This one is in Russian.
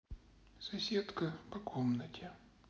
соседка по комнате